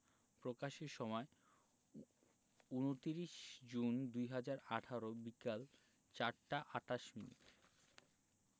প্রকাশের সময় ২৯ জুন ২০১৮ বিকাল ৪টা ২৮ মিনিট